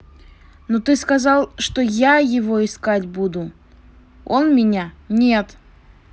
ну ты сказал что я его искать буду он меня нет